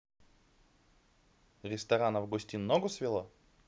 ресторан августин ногу свело